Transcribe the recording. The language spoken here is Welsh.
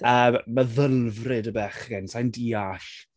Yym, meddylfryd y bechgyn, sai'n deall.